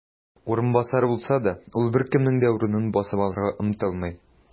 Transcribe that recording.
"урынбасар" булса да, ул беркемнең дә урынын басып алырга омтылмый.